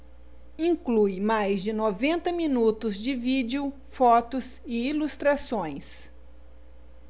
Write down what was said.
inclui mais de noventa minutos de vídeo fotos e ilustrações